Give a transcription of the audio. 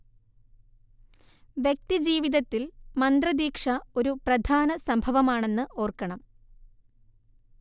വ്യക്തിജീവിതത്തിൽ മന്ത്രദീക്ഷ ഒരു പ്രധാന സംഭവമാണെന്ന് ഓർക്കണം